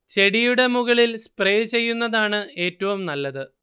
ചെടിയുടെ മുകളിൽ സ്പ്രേ ചെയ്യുന്നതാണ് ഏറ്റവും നല്ലത്